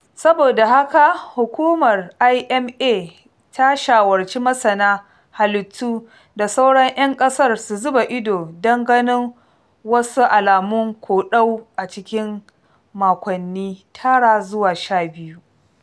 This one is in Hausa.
Saboda haka hukumar IMA ta shawarci masana halittu da sauran 'yan ƙasar su zuba ido don ganin wasu alamun koɗau a cikin makonni 9-12.